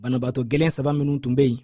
banabagatɔ gɛlɛnw saba minnu tun bɛ yen